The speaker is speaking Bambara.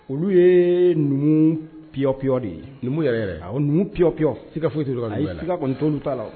Olu ye numu pyɔpi de ye numu numu ppiyeyan si ka foyi ka kɔni tolu t'a la